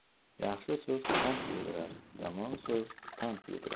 yaxshi so'z qand yedirar yomon so'z pand yedirar